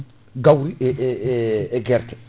gawri e e guerte